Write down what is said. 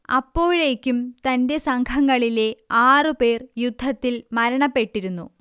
അപ്പോഴേക്കും തന്റെ സംഘാംങ്ങളിലെ ആറു പേർ യുദ്ധത്തിൽ മരണപ്പെട്ടിരുന്നു